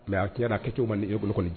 Mɛ a ti kɛcogo man ni e kolon kɔni